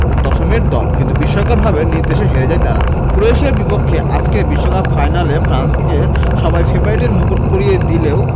দশমের দল কিন্তু বিস্ময়করভাবে নিজ দেশে হেরে যায় তারা ক্রোয়েশিয়ার বিপক্ষে আজকের বিশ্বকাপ ফাইনালে ফ্রান্সকে সবাই ফেভারিটের মুকুট পরিয়ে দিলেও